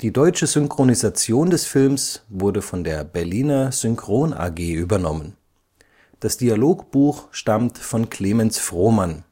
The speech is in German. deutsche Synchronisation des Films wurde von der Berliner Synchron AG übernommen. Das Dialogbuch stammt von Clemens Frohmann